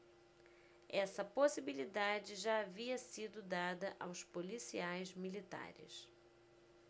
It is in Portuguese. essa possibilidade já havia sido dada aos policiais militares